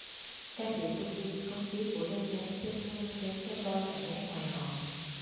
ca sĩ tùng dương không khí của đêm giáng sinh luôn mang đến cho tôi cảm giác hồi hộp